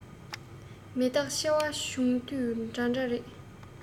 མི རྟག འཆི བ བྱུང དུས འདྲ འདྲ རེད